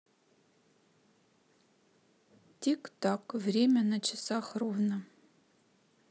тик так время на часах ровно